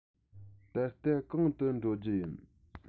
ད ལྟ གང དུ འགྲོ རྒྱུ ཡིན